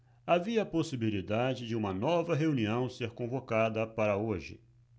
havia possibilidade de uma nova reunião ser convocada para hoje